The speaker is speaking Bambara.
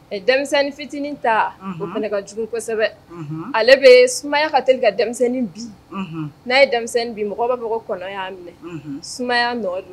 Denmisɛnnin fitinin ta ka jugu kosɛbɛ ale bɛ sumaya ka ka denmisɛnnin bi n'a ye denmisɛnnin bi mɔgɔ bɛ bɛ kɔnɔ minɛ sumaya